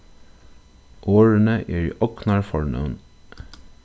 orðini eru ognarfornøvn